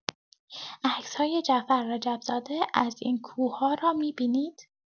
عکس‌های جعفر رجب‌زاده از این کوه‌ها را می‌بینید.